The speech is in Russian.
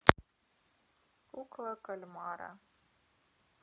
кукла кальмара